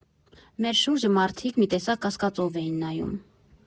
Մեր շուրջը մարդիկ մի տեսակ կասկածով էին նայում։